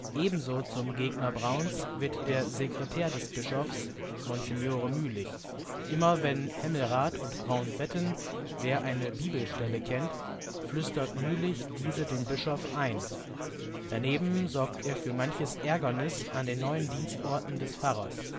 Ebenso zum Gegner Brauns wird der Sekretär des Bischofs Monsignore Mühlich, immer wenn Hemmelrath und Braun wetten, wer eine Bibelstelle kennt, flüstert Mühlich diese dem Bischof ein. Daneben sorgt er für manches Ärgernis an den neuen Dienstorten des Pfarrers